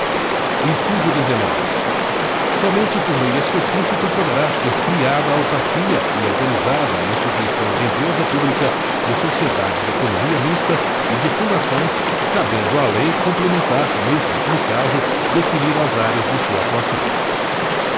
inciso dezenove somente por lei específica poderá ser criada autarquia e autorizada a instituição de empresa pública de sociedade de economia mista e de fundação cabendo à lei complementar neste último caso definir as áreas de sua atuação